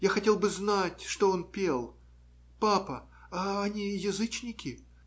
Я хотел бы знать, что он пел. Папа, они язычники?